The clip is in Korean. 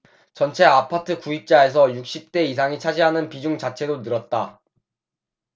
전체 아파트 구입자에서 육십 대 이상이 차지하는 비중 자체도 늘었다